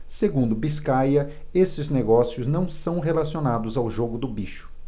segundo biscaia esses negócios não são relacionados ao jogo do bicho